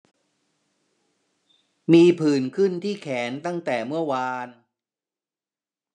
มีผื่นขึ้นที่แขนตั้งแต่เมื่อวาน